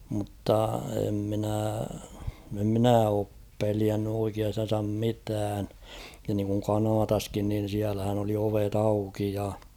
mutta en minä en minä ole pelännyt oikeastaan mitään ja niin kuin Kanadassakin niin siellähän oli ovet auki ja